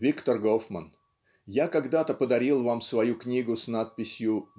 Виктор Гофман, я когда-то подарил Вам свою книгу с надписью